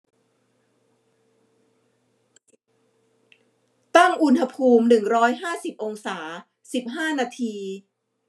ตั้งอุณหภูมิหนึ่งร้อยห้าสิบองศาสิบห้านาที